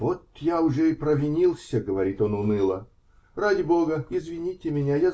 -- Вот я уже и провинился, -- говорит он уныло. -- Ради бога, извините меня